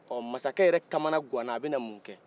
ɔ mas yɛrɛ kamana ganna a bɛ na mun kɛ